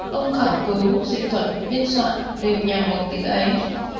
ông khảo cứu dịch thuật biên soạn đều nhằm mục đích ấy